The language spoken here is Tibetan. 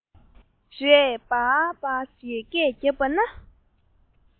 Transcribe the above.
རས བཱ བཱ ཞེས སྐད བརྒྱབ པ ན